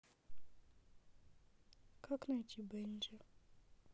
как найти бенди